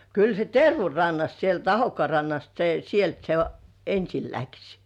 kyllä se Tervun rannasta sieltä Ahokkaan rannasta se sieltä se ensin lähti